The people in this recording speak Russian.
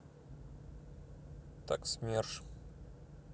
так смерш